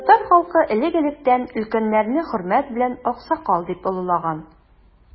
Татар халкы элек-электән өлкәннәрне хөрмәт белән аксакал дип олылаган.